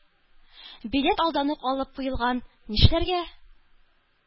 Билет алдан ук алып куелган. Нишләргә?